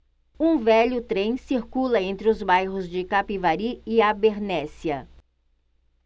um velho trem circula entre os bairros de capivari e abernéssia